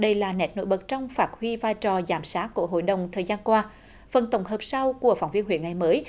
đây là nét nổi bật trong phát huy vai trò giám sát của hội đồng thời gian qua phần tổng hợp sau của phóng viên huế ngày mới